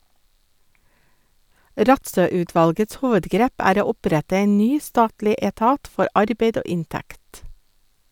Rattsøutvalgets hovedgrep er å opprette en ny statlig etat for arbeid og inntekt.